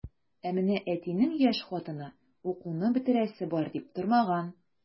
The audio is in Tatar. Ә менә әтинең яшь хатыны укуны бетерәсе бар дип тормаган.